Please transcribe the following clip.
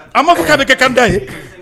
A ma ko k'a bɛ kɛ kanda ye